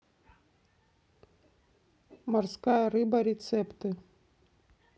морская рыба рецепты